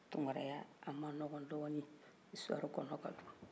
tunkaraya a ma nɔgɔ dɔɔni isitɔri kɔnɔ ka dun